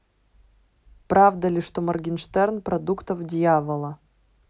правда ли что morgenshtern продуктов дьявола